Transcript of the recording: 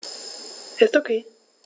Ist OK.